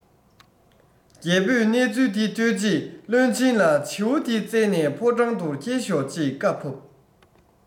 རྒྱལ པོས གནས ཚུལ དེ ཐོས རྗེས བློན ཆེན ལ བྱིའུ དེ བཙལ ནས ཕོ བྲང དུ ཁྱེར ཤོག ཅེས བཀའ ཕབ